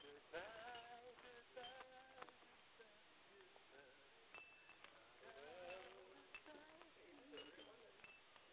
Goodbye, goodbye, good friends, goodbye. Farewell, an' now it's time to go.